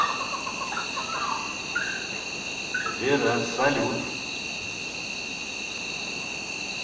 вера салют